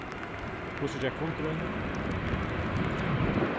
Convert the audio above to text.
hvussu gekk fundurin